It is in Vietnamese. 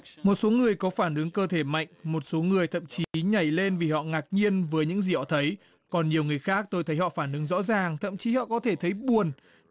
một số người có phản ứng cơ thể mạnh một số người thậm chí nhảy lên vì họ ngạc nhiên với những gì họ thấy còn nhiều người khác tôi thấy họ phản ứng rõ ràng thậm chí họ có thể thấy buồn